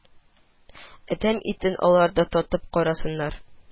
Адәм итен алар да татып карасыннар